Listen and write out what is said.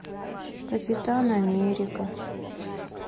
капитан америка